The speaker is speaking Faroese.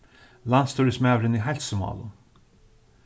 landsstýrismaðurin í heilsumálum